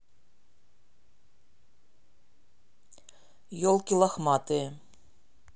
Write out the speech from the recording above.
елки лохматые